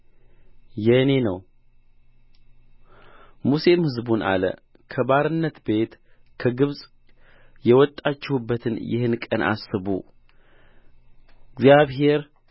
የእኔ ነው ሙሴም ሕዝቡን አለ ከባርነት ቤት ከግብፅ የወጣችሁበትን ይህን ቀን አስቡ እግዚአብሔር